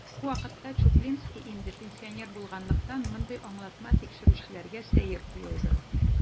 Бу вакытка Чуплинский инде пенсионер булганлыктан, мондый аңлатма тикшерүчеләргә сәер тоелды.